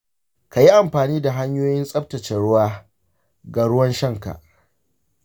kayi amfani da hanyoyin tsaftace ruwa ga ruwan shan ka.